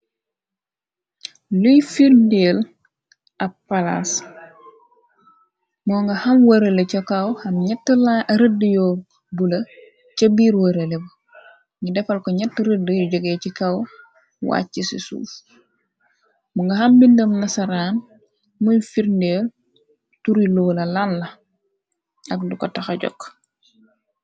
Luy firndeel ab palaas moo nga xam wërale sa kaw xam ñett rëdd yoo bu la ca biir wërale ba ni defal ko ñett rëdd joge ci kaw wàcc ci suuf mu nga xam bindëm na saraan muy firndeel turi loo la lan la ak lu ko taxa jokk.